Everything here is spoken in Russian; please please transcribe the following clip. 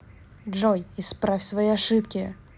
джой исправь свои ошибки